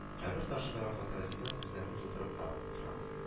Кабер ташындагы фоторәсемнән күзләрен тутырып карап утыра